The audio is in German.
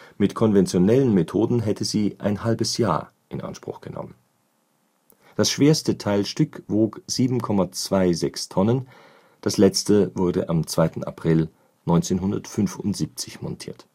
Mit konventionellen Methoden hätte sie ein halbes Jahr in Anspruch genommen. Das schwerste Teilstück wog 7,26 Tonnen; das letzte wurde am 2. April 1975 montiert